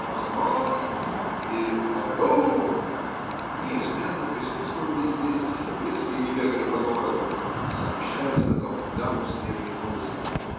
"гранрон!" и "оребур!", неизменно присутствовали здесь, если не бегали по городу, сообщая знакомым дамам свежие новости.